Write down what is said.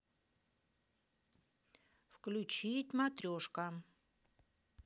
включить матрешка